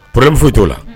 Premffu t'o la